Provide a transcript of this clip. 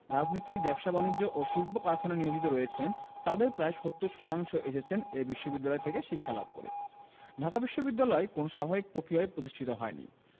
রাজনীতি ব্যবসা বাণিজ্য ও শিল্প কারখানায় নিয়োজিত রয়েছেন তাঁদের প্রায় ৭০ শতাংশ এসেছেন এ বিশ্ববিদ্যালয় থেকে শিক্ষালাভ করে ঢাকা বিশ্ববিদ্যালয় কোনো স্বাভাবিক প্রক্রিয়ায় প্রতিষ্ঠিত হয়নি